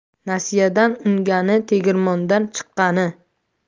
nasiyadan ungani tegirmondan chiqqani